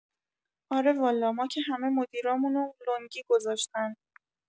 آره والا ما که همه مدیرامون رو لنگی گذاشتن